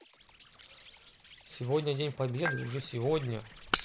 сегодня день победы уже сегодня